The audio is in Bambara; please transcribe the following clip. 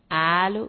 Aa